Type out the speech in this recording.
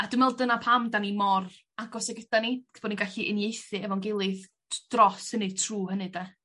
A dwi me'wl dyna pam 'dan ni mor agos ag ydan ni 'c'os bo' ni gallu uniaethu efo'n gilydd t- dros hynny trw hynny 'de?